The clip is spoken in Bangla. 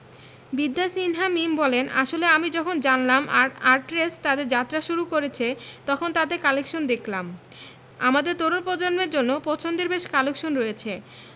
বিদ্যা সিনহা মিম বলেন আসলে আমি যখন জানলাম আর্টরেস তাদের যাত্রা শুরু করেছে তখন তাদের কালেকশন দেখলাম আমাদের তরুণ প্রজন্মের জন্য পছন্দের বেশ কালেকশন রয়েছে